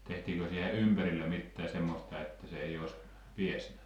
tehtiinkö siihen ympärille mitään semmoista että se ei olisi päässyt